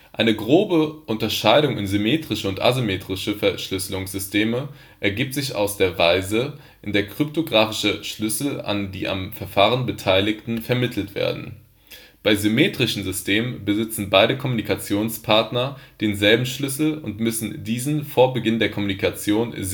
Eine grobe Unterscheidung in symmetrische und asymmetrische Verschlüsselungssysteme ergibt sich aus der Weise, in der kryptographische Schlüssel an die am Verfahren Beteiligten vermittelt werden: Bei symmetrischen Systemen besitzen beide Kommunikationspartner denselben Schlüssel und müssen diesen vor Beginn der Kommunikation